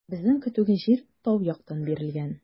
Безнең көтүгә җир тау яктан бирелгән.